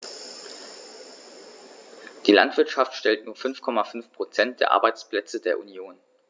Die Landwirtschaft stellt nur 5,5 % der Arbeitsplätze der Union.